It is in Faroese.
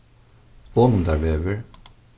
onundarvegur